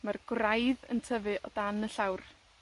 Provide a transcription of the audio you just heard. Ma'r gwraidd yn tyfu o dan y llawr.